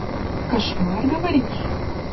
кошмар говоришь